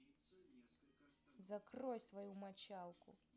закрой свою мочалку